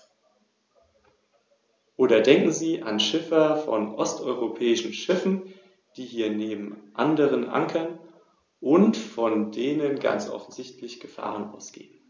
Dem kann ich zumindest persönlich uneingeschränkt zustimmen.